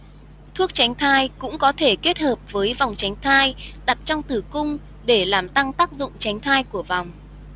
thuốc tránh thai cũng có thể kết hợp với vòng tránh thai đặt trong tử cung để làm tăng tác dụng tránh thai của vòng